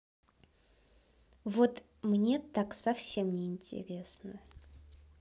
вот мне так совсем не интересно